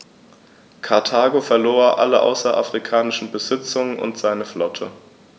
Karthago verlor alle außerafrikanischen Besitzungen und seine Flotte.